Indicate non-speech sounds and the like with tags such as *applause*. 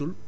*hesitation*